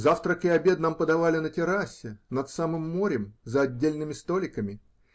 Завтрак и обед нам подавали на террасе, над самым морем, за отдельными столиками.